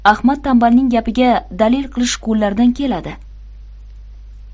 ahmad tanbalning gapiga dalil qilish qo'llaridan keladi